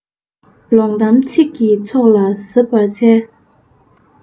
ལོང གཏམ ཚིག གི ཚོགས ལ གཟབ པར འཚལ